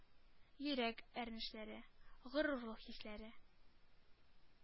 Йөрәк әрнешләре, горурлык хисләре.